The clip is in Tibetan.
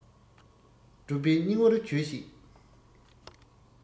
སྒྲུབ པའི སྙིང བོར བྱོས ཤིག